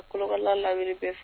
A la bɛ